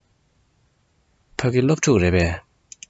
ཕ གི སློབ ཕྲུག རེད པས